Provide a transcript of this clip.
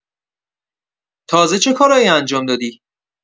تازه چه کارایی انجام دادی؟